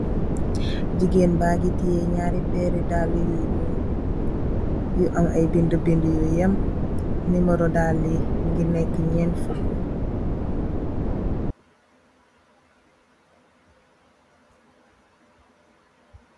Jegueen bange tiye nyerri perrou dalla you nyull you am aye bendou you yem nemoro dalla yi nougui nekke nyen fukku